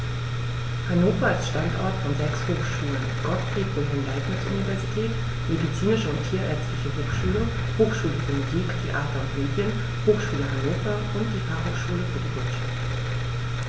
Hannover ist Standort von sechs Hochschulen: Gottfried Wilhelm Leibniz Universität, Medizinische und Tierärztliche Hochschule, Hochschule für Musik, Theater und Medien, Hochschule Hannover und die Fachhochschule für die Wirtschaft.